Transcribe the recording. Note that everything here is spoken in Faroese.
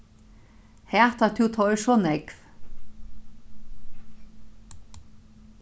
hatar tú teir so nógv